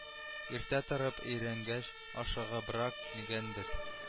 Иртә торып өйрәнгәч ашыгыбрак килгәнбез